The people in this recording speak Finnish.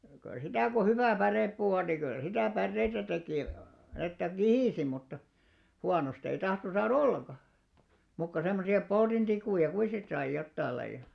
se kyllä sitä kun hyvä pärepuu on niin kyllä sitä päreitä teki että kihisi mutta huonosta ei tahtonut saada ollenkaan muuta kuin semmoisia poltintikkuja kuinka sitten sai jotakin lajia